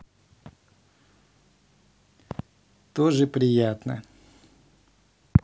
тоже приятно